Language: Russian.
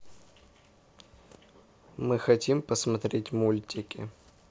мы хотим посмотреть мультики